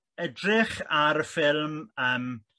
edrych ar ffilm yym